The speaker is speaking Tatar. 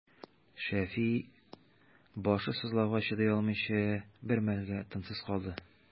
Шәфи, башы сызлауга чыдый алмыйча, бер мәлгә тынсыз калды.